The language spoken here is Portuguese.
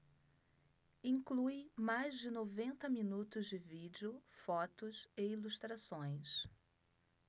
inclui mais de noventa minutos de vídeo fotos e ilustrações